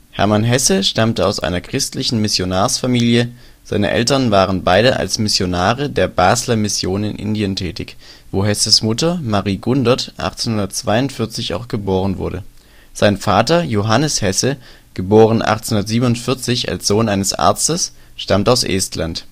Hermann Hesse stammte aus einer christlichen Missionarsfamilie, seine Eltern waren beide als Missionare der Basler Mission in Indien tätig, wo Hesses Mutter Marie Gundert 1842 auch geboren wurde. Sein Vater Johannes Hesse (* 1847 als Sohn eines Arztes) stammt aus Estland